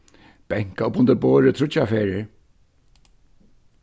banka upp undir borðið tríggjar ferðir